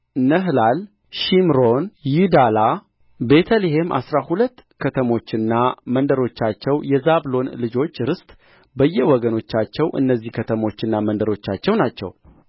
ነህላል ሺምሮን ይዳላ ቤተ ልሔም አሥራ ሁለት ከተሞችና መንደሮቻቸው የዛብሎን ልጆች ርስት በየወገኖቻቸው እነዚህ ከተሞችና መንደሮቻቸው ናቸው